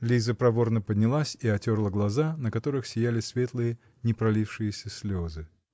Лиза проворно поднялась и отерла глаза, на которых сияли светлые, непролившиеся слезы.